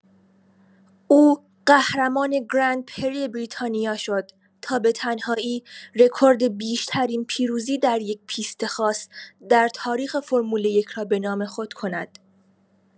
او قهرمان گرندپری بریتانیا شد تا به‌تنهایی رکورد بیشترین پیروزی در یک پیست خاص در تاریخ فرمول یک را به نام خود کند.